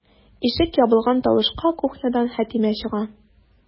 Ишек ябылган тавышка кухнядан Хәтимә чыга.